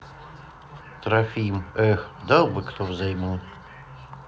трофим эх дал бы кто взаймы